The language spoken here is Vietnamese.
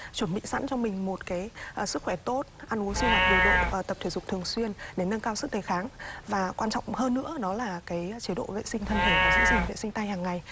chuẩn bị sẵn cho mình một cái sức khỏe tốt ăn uống sinh hoạt điều độ tập thể dục thường xuyên để nâng cao sức đề kháng và quan trọng hơn nữa nó là cái chế độ vệ sinh thân thể và giữ gìn vệ sinh tay hằng ngày